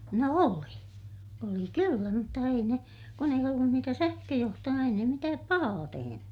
no oli oli kyllä mutta ei ne kun ei ollut niitä sähköjohtoja ei ne mitään pahaa tehnyt